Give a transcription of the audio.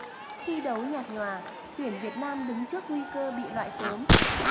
thi đấu nhạt nhòa tuyển việt nam đứng trước nguy cơ bị loại sớm